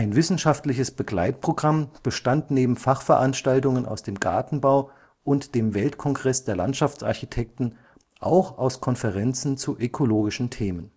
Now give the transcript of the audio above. wissenschaftliches Begleitprogramm bestand neben Fachveranstaltungen aus dem Gartenbau und dem Weltkongress der Landschaftsarchitekten auch aus Konferenzen zu ökologischen Themen